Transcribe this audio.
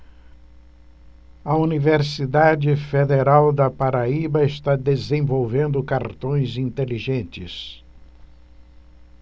a universidade federal da paraíba está desenvolvendo cartões inteligentes